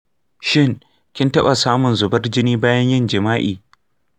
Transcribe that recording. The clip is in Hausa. shin kin taɓa samun zubar jini bayan yin jima’i?